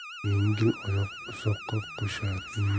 yengil oyoq uzoqqa qo'shar